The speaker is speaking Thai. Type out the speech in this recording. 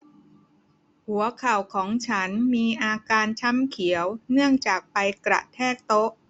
หัวเข่าของฉันมีอาการช้ำเขียวเนื่องจากไปกระแทกโต๊ะ